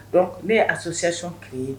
Donc ne ye association créée